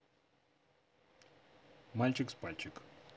мальчик с пальчик